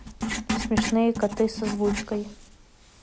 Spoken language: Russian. смешные коты с озвучкой